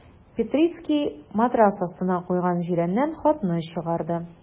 Петрицкий матрац астына куйган җирәннән хатны чыгарды.